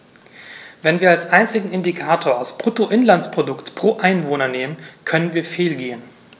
Wenn wir als einzigen Indikator das Bruttoinlandsprodukt pro Einwohner nehmen, können wir fehlgehen.